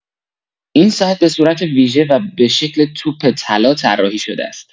این ساعت به صورت ویژه و به شکل توپ طلا طراحی‌شده است.